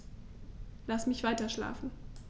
Lass mich weiterschlafen.